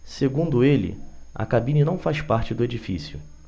segundo ele a cabine não faz parte do edifício